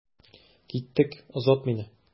Киттек, озат мине.